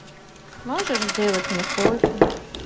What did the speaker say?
можешь сделать мне кофе